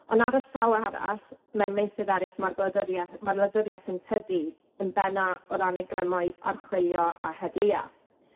On' ar y llaw arall, mewn meysydd eraill, ma'r gwladwrieth ma'r wladwrieth yn tyfu yn benna o ran ei grymoedd archwilio a heddlua.